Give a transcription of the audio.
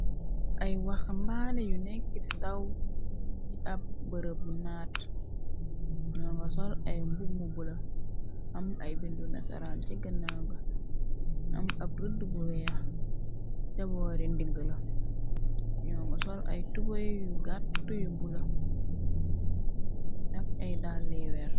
Ay waxa mbaane yu nekkiti ndaw ci ab bërëb bu naat ñoo nga sol ay mbumubbula am ay bindu nasaraan ci gënnaw ga am ab rëdd bu weex caboori ndigg la ñoo nga sol ay tubay yu gàtt yu bula ak ay dalli werta.